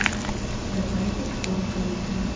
давай попкорн поедим